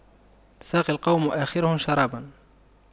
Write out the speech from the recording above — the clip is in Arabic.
ساقي القوم آخرهم شراباً